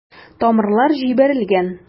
Тамырлар җибәрелгән.